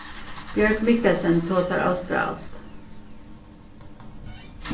bjørg mikkelsen tosar australskt